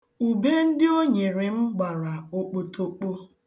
Ube ndị o nyere m gbara okpotokpo.